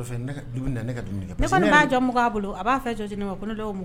B'a jɔ